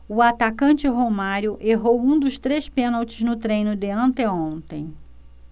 o atacante romário errou um dos três pênaltis no treino de anteontem